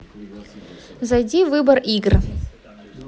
зайди в выбор игр